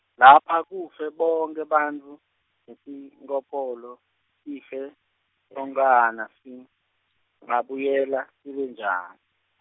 lapha kufe bonkhe bantfu, letinkopolo, tife, tonkhana, singabuyela, sibe njan-.